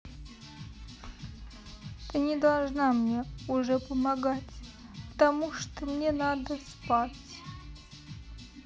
ты не должна мне уже помогать потому что мне надо спать